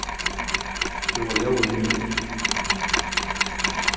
skrúva ljóðið niður